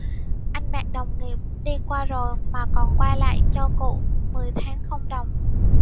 anh bạn đồng nghiệp đi qua rồi mà còn quay lại cho cụ mười tháng không đồng